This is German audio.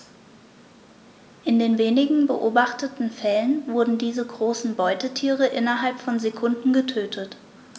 In den wenigen beobachteten Fällen wurden diese großen Beutetiere innerhalb von Sekunden getötet.